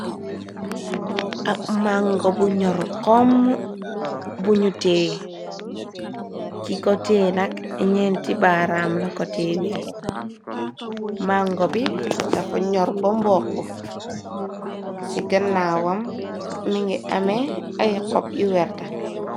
Ak màngo bu ñor xom bu ñu tee ki ko teenak ñeenti baaraam la ko teewee màngo bi dafa ñor ba mboq ci gënnaawam mi ngi amee ay xob yu werta.